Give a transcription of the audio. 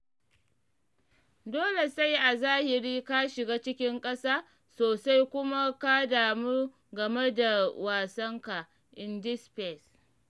“Dole sai a zahiri ka shiga ciki ƙasa sosai kuma ka damu game da wasanka,” inji Spieth.